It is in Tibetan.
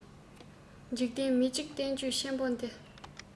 འཇིག རྟེན མིག གཅིག བསྟན བཅོས ཆེན པོ འདི